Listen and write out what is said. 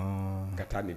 Ka taalen